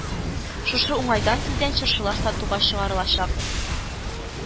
Шушы уңайдан тиздән чыршылар сатуга чыгарылачак